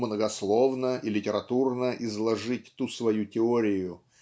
многословно и литературно изложить ту свою теорию